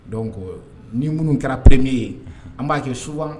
Donc ni munnu kɛra premier ye unhun an b'a kɛ souvent